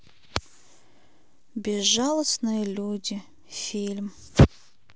безжалостные люди фильм